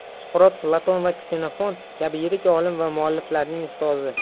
suqrot platon va ksenofont kabi yirik olim va mualliflarning ustozi